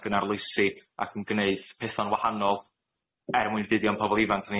ag yn arloesi ac yn gneud petha'n wahanol er mwyn buddion pobol ifanc